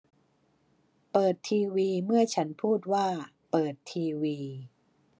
เปิดทีวีเมื่อฉันพูดว่าเปิดทีวี